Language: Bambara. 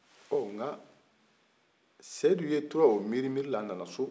ɔ nka seyidu tora o miiri miiri la a nana so